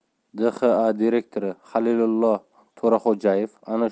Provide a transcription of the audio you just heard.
dxa direktori halilullo to'raxo'jayev ana